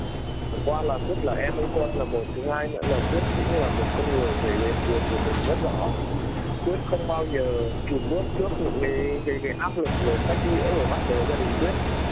chẳng qua là quyết là em anh quân là một thứ hai nữa là quyết cũng là một con người thể hiện quyền của mình rất rõ quyết không bao giờ chùn bước trước những cái cái áp lực về sách nhiễu về bắt bớ gia đình quyết